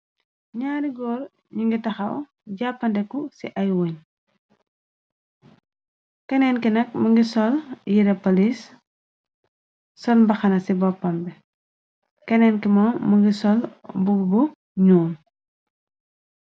Nyaari góor ñu ngi taxaw jàppandeku ci ay wuñ keneenki nak mu ngi sol yira paliis sol mbaxana ci boppam bi keneenki mo më ngi sol bub bu ñyuul.